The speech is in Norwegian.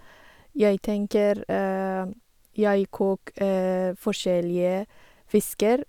Jeg tenker jeg kok forskjellige fisker.